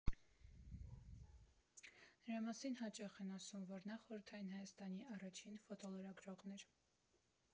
Նրա մասին հաճախ են ասում, որ նա Խորհրդային Հայաստանի առաջին ֆոտոլրագրողն էր։